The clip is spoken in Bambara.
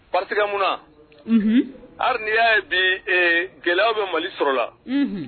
Pakɛ munna alir ni y'a ye bi gɛlɛya bɛ mali sɔrɔ la